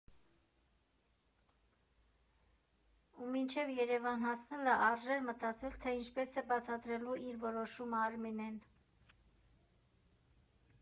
Ու մինչև Երևան հասնելը արժեր մտածել, թե ինչպես է բացատրելու իր որոշումը Արմենին։